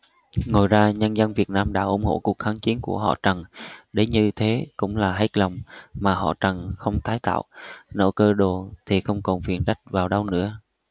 ngoài ra nhân dân việt nam đã ủng hộ cuộc kháng chiến của họ trần đến như thế cũng là hết lòng mà họ trần không tái tạo nổi cơ đồ thì không còn phiền trách vào đâu nữa